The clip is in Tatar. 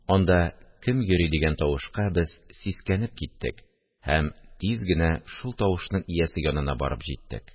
– анда кем йөри? – дигән тавышка без сискәнеп киттек һәм тиз генә шул тавышның иясе янына барып җиттек